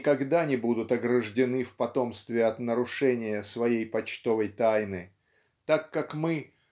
никогда не будут ограждены в потомстве от нарушения своей почтовой тайны так как мы